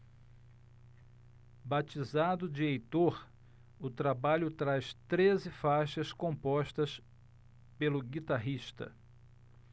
batizado de heitor o trabalho traz treze faixas compostas pelo guitarrista